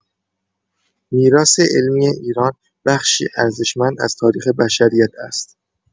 میراث علمی ایران بخشی ارزشمند از تاریخ بشریت است.